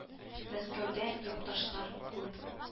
Мәскәүдә якташлар күп